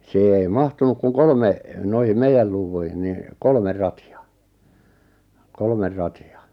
siihen ei mahtunut kuin kolme noihin meidän luuviin niin kolme ratia kolme ratia